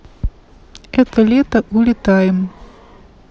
это лето улетаем